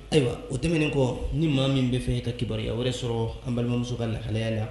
Ayiwa o tɛmɛnen kɔ ni maa min bɛ fɛ e ka kibaruya a wɛrɛ sɔrɔ an balimamuso ka lagaya la